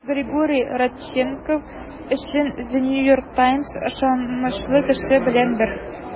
Григорий Родченков өчен The New York Times ышанычлы кеше белән бер.